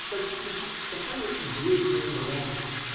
"Ткачи" -- такая идейная драма.